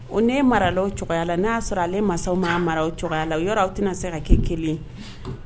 O ne ye maralaw cogoyaya la na y'a sɔrɔ ale mansaw ma mara o cogoyaya la o yɔrɔ aw tɛna se ka kɛ kelen